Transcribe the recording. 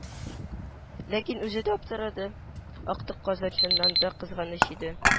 Ләкин үзе дә аптырады: актык казан чыннан да кызганыч иде